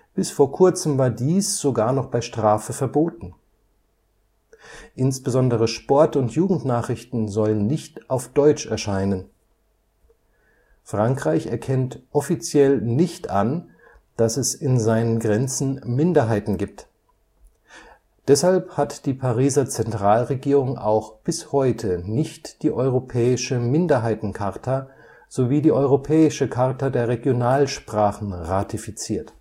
Bis vor kurzem war dies sogar noch bei Strafe verboten. Insbesondere Sport - und Jugendnachrichten sollen nicht auf Deutsch erscheinen. Frankreich erkennt offiziell nicht an, dass es in seinen Grenzen Minderheiten gibt. Deshalb hat die Pariser Zentralregierung auch bis heute nicht die Europäische Minderheitencharta sowie die Europäische Charta der Regionalsprachen ratifiziert